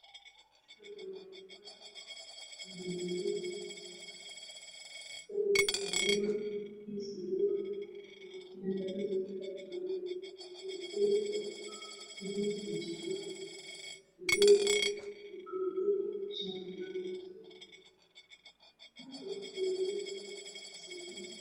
Meeshan waxaa iiga muuqda dad fara badan oo meel iskugu imaaday waxaa kaloo ii buuqda kuraas madow ah